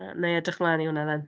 Yy, wna i edrych mlaen i hwnna dden.